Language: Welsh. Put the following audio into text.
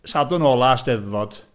Sadwrn ola 'Steddfod.